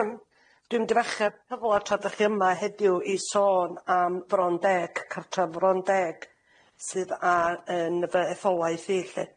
Yym dwi'n mynd i fachu'r cyfle tra da chi yma heddiw i sôn am Frondeg cartref Frondeg sydd a- yn fy etholaeth i lly.